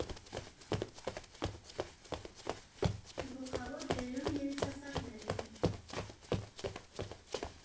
Գլխավոր դերերում երիտասարդներ էին.